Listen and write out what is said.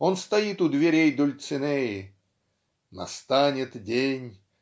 он стоит у дверей Дульцинеи Настанет день